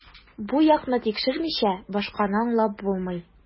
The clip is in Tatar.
Бу якны тикшермичә, башканы аңлап булмый.